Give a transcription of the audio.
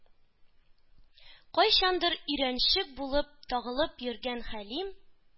Кайчандыр өйрәнчек булып тагылып йөргән Хәлим